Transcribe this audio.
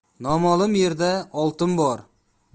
noma'lum yerda oltin